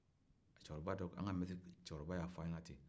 cɛkɔrɔba dɔ an ka mɛtiri cɛkɔrɔba y'a fɔ an ɲɛna ten